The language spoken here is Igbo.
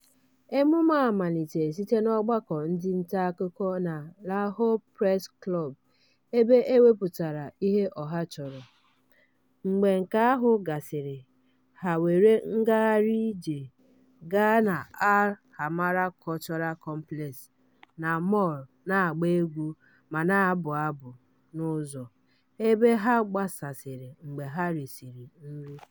Emume a malitere site n'Ọgbakọ ndị Ntaakụkọ na Lahore Press Club ebe e wepụtara ihe ọha chọrọ; mgbe nke ahụ gasịrị, ha were ngagharị ije gaa n'Al Hamra Cultural Complex na Mall na-agba egwu ma na-abụ abụ n'ụzọ, ebe ha gbasasịrị mgbe e rịsịrị nri.